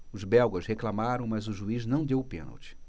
os belgas reclamaram mas o juiz não deu o pênalti